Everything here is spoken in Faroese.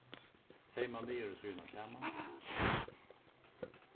seyma niðaru síðuna saman